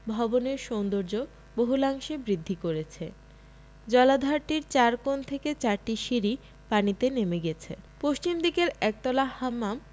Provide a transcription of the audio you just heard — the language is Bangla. ভবনের সৌন্দর্য বহুলাংশে বৃদ্ধি করেছে জলাধারটির চার কোণ থেকে চারটি সিঁড়ি পানিতে নেমে গেছে পশ্চিমদিকের একতলা হাম্মাম